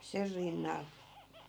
sen rinnalla